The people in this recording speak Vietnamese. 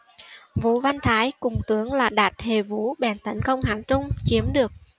vũ văn thái cùng tướng là đạt hề vũ bèn tấn công hán trung chiếm được